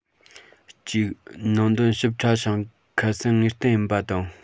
གཅིག ནང དོན ཞིབ ཕྲ ཞིང ཁ གསལ ངེས གཏན ཡིན པ དང